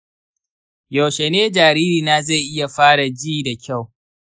yaushe ne jaririna zai iya fara ji da kyau?